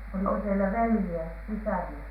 oliko teillä veljiä sisaria